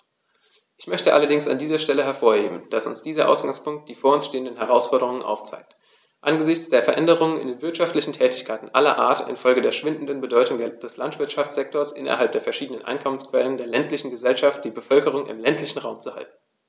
Ich möchte allerdings an dieser Stelle hervorheben, dass uns dieser Ausgangspunkt die vor uns stehenden Herausforderungen aufzeigt: angesichts der Veränderungen in den wirtschaftlichen Tätigkeiten aller Art infolge der schwindenden Bedeutung des Landwirtschaftssektors innerhalb der verschiedenen Einkommensquellen der ländlichen Gesellschaft die Bevölkerung im ländlichen Raum zu halten.